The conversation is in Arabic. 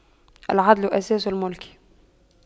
العدل أساس الْمُلْك